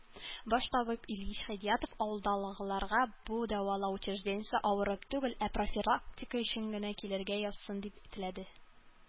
Баш табибы Илгиз Хидиятов авылдагыларга бу дәвалау учреждениесенә авырып түгел, ә профилактика өчен генә килергә язсын, дип теләде.